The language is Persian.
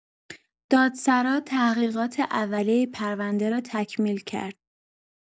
دادسرا تحقیقات اولیه پرونده را تکمیل کرد.